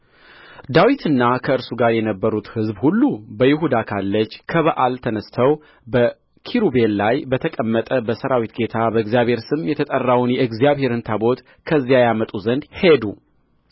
ዳዊትና ከእርሱ ጋር የነበሩት ሕዝብ ሁሉ በይሁዳ ካለች ከበኣል ተነሥተው በኪሩቤል ላይ በተቀመጠ በሠራዊት ጌታ በእግዚአብሔር ስም የተጠራውን የእግዚአብሔርን ታቦት ከዚያ ያመጡ ዘንድ ሄዱ